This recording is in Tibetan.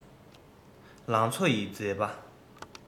ལང ཚོ ཡི མཛེས པ